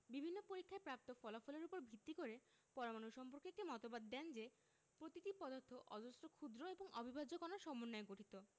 বিভিন্ন পরীক্ষায় প্রাপ্ত ফলাফলের উপর ভিত্তি করে পরমাণু সম্পর্কে একটি মতবাদ দেন যে প্রতিটি পদার্থ অজস্র ক্ষুদ্র এবং অবিভাজ্য কণার সমন্বয়ে গঠিত